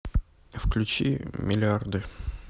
включи миллиарды